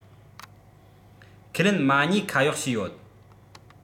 ཁས ལེན མ ཉེས ཁ གཡོག བྱས ཡོད